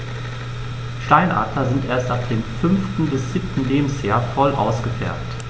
Steinadler sind erst ab dem 5. bis 7. Lebensjahr voll ausgefärbt.